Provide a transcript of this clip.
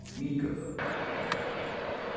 miðgøta